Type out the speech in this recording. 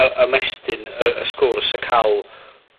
y- ymestyn y y sgwrs ca'l